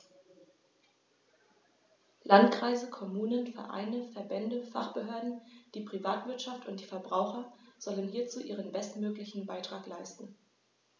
Landkreise, Kommunen, Vereine, Verbände, Fachbehörden, die Privatwirtschaft und die Verbraucher sollen hierzu ihren bestmöglichen Beitrag leisten.